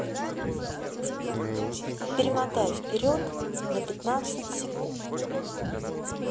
перемотай вперед на пятнадцать секунд